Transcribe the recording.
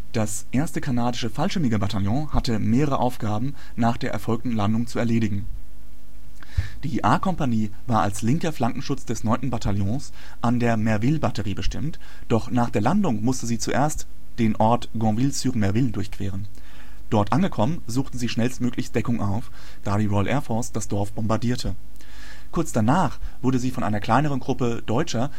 Das 1. Kanadische Fallschirmjägerbataillon hatte mehrere Aufgaben nach der erfolgten Landung zu erledigen. Die A-Kompanie war als linker Flankenschutz des 9. Bataillons an der Merville Batterie bestimmt, doch nach der Landung mussten sie zuerst den Ort Gonneville-sur-Merville durchqueren. Dort angekommen, suchten sie schnellstmöglich Deckung auf, da die Royal Air Force das Dorf bombardierte. Kurz danach wurden sie von einer kleineren Gruppe Deutscher